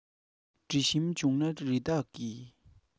དྲི ཞིམ འབྱུང ན རི དྭགས ཀྱི